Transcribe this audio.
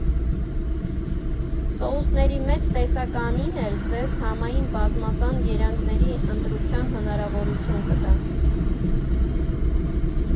Սոուսների մեծ տեսականին էլ ձեզ համային բազմազան երանգների ընտրության հնարավորություն կտա։